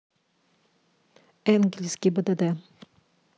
энгельс гибдд